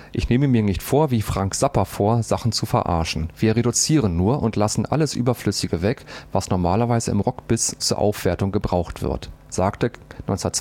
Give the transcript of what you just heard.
Ich nehme mir nicht wie Frank Zappa vor, Sachen zu verarschen. Wir reduzieren nur und lassen alles Überflüssige weg, was normalerweise im Rockbiz zur Aufwertung gebraucht wird. “– Gert Krawinkel, 1982